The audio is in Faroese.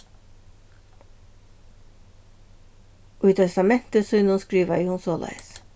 í testamenti sínum skrivaði hon soleiðis